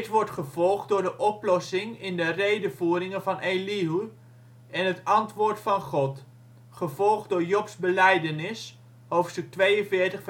wordt gevolgd door de oplossing in de redevoeringen van Elihu en het antwoord van God, gevolgd door Jobs belijdenis (42:1-6